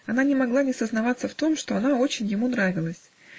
Она не могла не сознаваться в том, что она очень ему нравилась